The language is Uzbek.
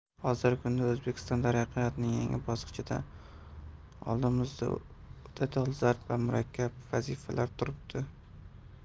hozirgi kunda o'zbekiston taraqqiyotining yangi bosqichida oldimizda o'ta dolzarb va murakkab vazifalar turibdi